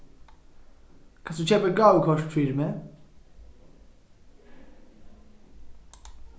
kanst tú keypa eitt gávukort fyri meg